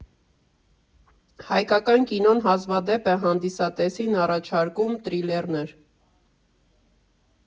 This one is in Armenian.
Հայկական կինոն հազվադեպ է հանդիսատեսին առաջարկում թրիլերներ։